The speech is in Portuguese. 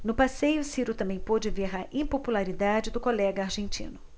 no passeio ciro também pôde ver a impopularidade do colega argentino